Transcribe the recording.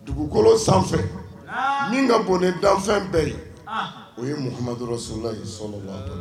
Dugukolo sanfɛ min ka bon danfɛn bɛɛ ye o ye mu dɔrɔnsola so